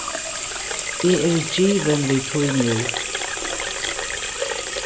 eg eri givin við tí nú